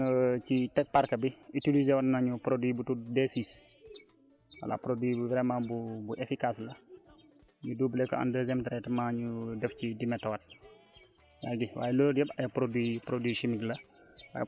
mais ci wàllu traitement ñun ci teg parc bi utiliser woon nañu produit bu tudd B6 voilà produit bi vraiment bu bu éfficace la mu doubler ko en deuxième traitement ñu def ci dina tawaat yaa ngi gis